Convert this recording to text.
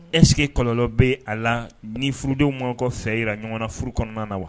Est ce que kɔlɔlɔ bɛ a la ni furudenw m'aw ka fɛ jira ɲɔgɔn na furu kɔnɔna na wa?